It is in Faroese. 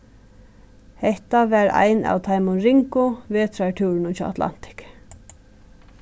hetta var ein av teimum ringu vetrartúrunum hjá atlantic